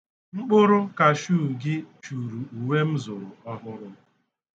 Mkpụrụ kashuu gị churu uwe m zụrụ ọhụrụ.